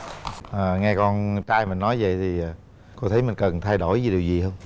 ờ nghe con trai mình nói vậy thì cô thấy mình cần thay đổi về điều gì hông